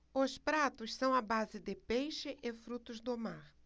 os pratos são à base de peixe e frutos do mar